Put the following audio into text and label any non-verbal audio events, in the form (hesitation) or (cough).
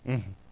(hesitation) (hesitation)